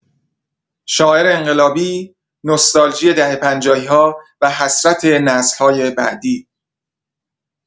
شاعر انقلابی، نوستالژی دهه پنجاهی‌ها و حسرت نسل‌های بعدی.